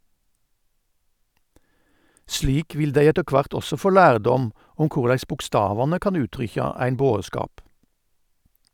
Slik vil dei etter kvart også få lærdom om korleis bokstavane kan uttrykkja ein bodskap.